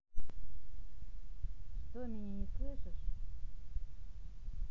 что меня не слышишь